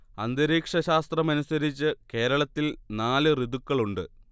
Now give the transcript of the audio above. അന്തരീക്ഷ ശാസ്ത്രമനുസരിച്ച് കേരളത്തിൽ നാല് ഋതുക്കളുണ്ട്